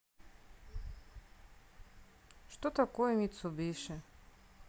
что такое мицубиши